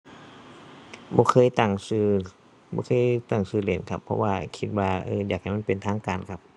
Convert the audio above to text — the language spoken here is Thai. บ่เคยตั้งชื่อ บ่เคยตั้งชื่อเล่นครับ เพราะว่าคิดว่า เออ อยากให้มันเป็นทางการครับ